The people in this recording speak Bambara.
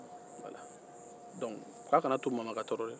ko a' kana to mama ka tɔɔrɔ dɛ